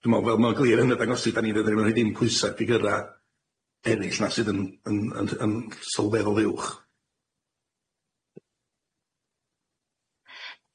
dwi me'wl fel ma'n glir yn y dangosydd 'dan ni ddim yn roi dim pwysa' ar ffigyra eryll 'na sydd yn yn yn sylweddol uwch.